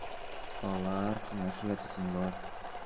Алар киңәшергә тотындылар.